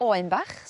oen bach